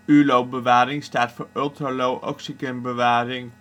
ULO-bewaring staat voor Ultra Low Oxygen-bewaring